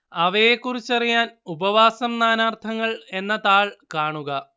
അവയെക്കുറിച്ചറിയാന്‍ ഉപവാസം നാനാര്‍ത്ഥങ്ങള്‍ എന്ന താള്‍ കാണുക